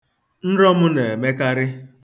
Nrọ m na-emekarị.